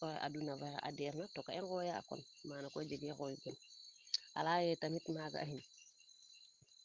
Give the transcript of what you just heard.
koy oxa aduna ad weer na to ka i ngooya koy maana koy a leya ye tamit maaga axin